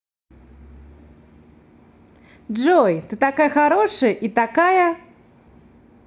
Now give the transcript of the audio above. джой ты такая хорошая и такая